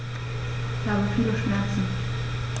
Ich habe viele Schmerzen.